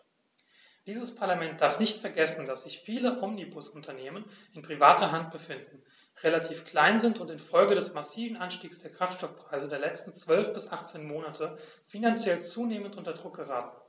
Dieses Parlament darf nicht vergessen, dass sich viele Omnibusunternehmen in privater Hand befinden, relativ klein sind und in Folge des massiven Anstiegs der Kraftstoffpreise der letzten 12 bis 18 Monate finanziell zunehmend unter Druck geraten.